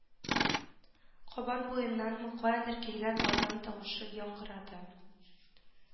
Кабан буеннанмы каяндыр килгән азан тавышы яңгырады